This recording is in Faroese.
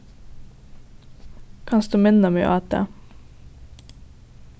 kanst tú minna meg á tað